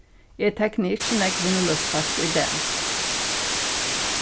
eg tekni ikki nógv vinnulívsfólk í dag